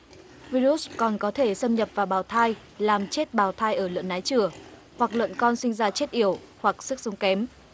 vi rút còn có thể xâm nhập vào bào thai làm chết bào thai ở lợn nái chửa hoặc lợn con sinh ra chết yểu hoặc sức sống kém